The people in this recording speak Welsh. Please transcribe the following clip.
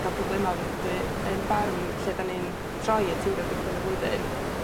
...yn ca'l problema ofnadwy yn y ffarm lle 'dan ni'n troi y tir ar gychwyn y flwyddyn